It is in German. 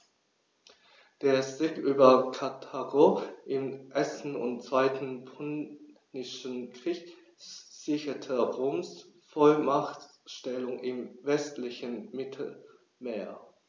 Der Sieg über Karthago im 1. und 2. Punischen Krieg sicherte Roms Vormachtstellung im westlichen Mittelmeer.